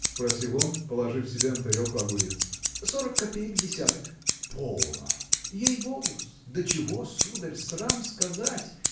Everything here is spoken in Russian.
– спросил он, положив себе на тарелку огурец. – Сорок копеек десяток. – Полно? – Ей-богу-с да чего, сударь, срам сказать